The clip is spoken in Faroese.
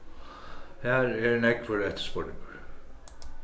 har er nógvur eftirspurningur